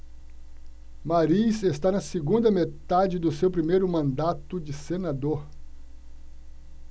mariz está na segunda metade do seu primeiro mandato de senador